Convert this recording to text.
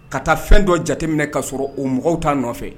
Ka taa fɛn dɔ jateminɛ kaa sɔrɔ o mɔgɔw ta nɔfɛ